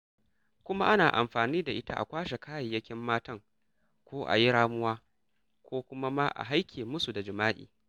Kuma ana amfani da ita a kwashe kayayyakin matan ko a yi ramuwa ko kuma ma a haike musu da jima'i.